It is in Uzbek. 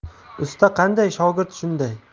usta qanday shogird shunday